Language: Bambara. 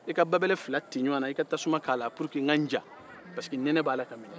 i ka babɛlɛ fila ci ɲɔɔn na i ka tasuma k'a la pour que n ka n ja parce que nɛnɛ b'a la ka n minɛ